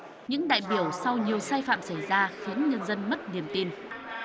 những đại biểu sau nhiều sai phạm xảy ra khiến nhân dân mất niềm tin